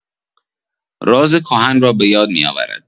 راز کهن را بۀاد می‌آورد.